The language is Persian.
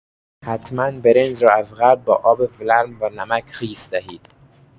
حتما برنج را از قبل با آب ولرم و نمک خیس دهید.